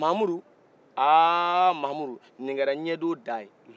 mamudu haa mamudu ni kɛra ɲɛdon dan ye